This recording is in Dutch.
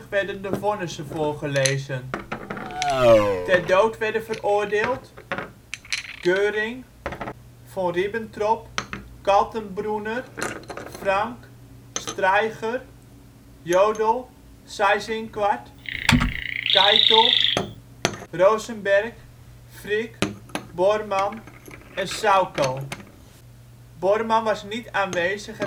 werden de vonnissen voorgelezen. Ter dood werden veroordeeld (12): Göring, Von Ribbentrop, Kaltenbrunner, Frank, Streicher, Jodl, Seyss-Inquart, Keitel, Rosenberg, Frick, Bormann en Sauckel. Bormann was niet aanwezig